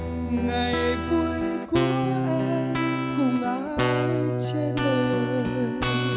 vui của em cùng ai trên đời